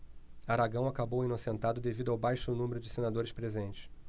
aragão acabou inocentado devido ao baixo número de senadores presentes